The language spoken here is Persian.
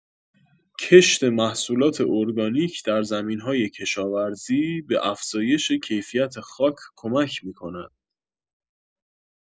کشت محصولات ارگانیک در زمین‌های کشاورزی، به افزایش کیفیت خاک کمک می‌کند.